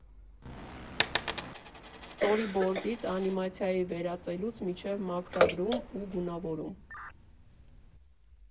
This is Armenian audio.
Սթորիբորդից, անիմացիայի վերածելուց մինչև մաքրագրում ու գունավորում։